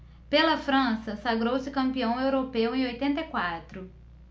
pela frança sagrou-se campeão europeu em oitenta e quatro